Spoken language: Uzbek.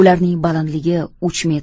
ularning balandligi uch